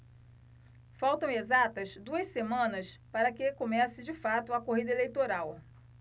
faltam exatas duas semanas para que comece de fato a corrida eleitoral